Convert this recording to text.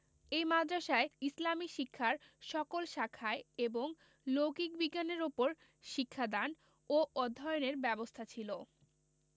এই মাদ্রাসায় ইসলামি শিক্ষার সকল শাখায় এবং লৌকিক বিজ্ঞানের ওপর শিক্ষাদান ও অধ্যয়নের ব্যবস্থা ছিল